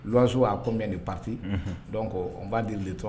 Waso a ko ni pati dɔn ko n b'a di le tɔ